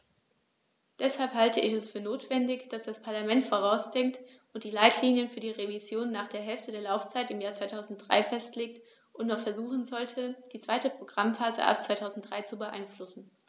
Deshalb halte ich es für notwendig, dass das Parlament vorausdenkt und die Leitlinien für die Revision nach der Hälfte der Laufzeit im Jahr 2003 festlegt und noch versuchen sollte, die zweite Programmphase ab 2003 zu beeinflussen.